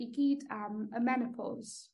i gyd am y menepos.